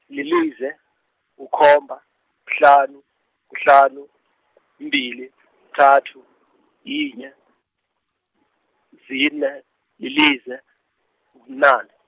lilize, kukhomba, kuhlanu, kuhlanu , mbili, kuthathu, yinye, zine, lilize, kubunane.